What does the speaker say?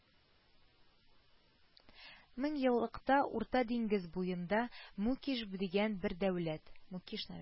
Мең еллыкта урта диңгез буенда мукиш дигән бер дәүләт